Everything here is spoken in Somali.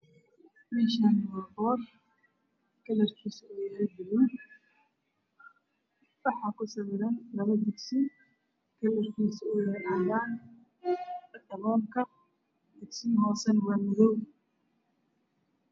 Me Shani wa boor kalar kisu wa bulug waxa kusawiran labo digsi kalar kisu uyahay cadan daboolka digsi ga hosana wa madow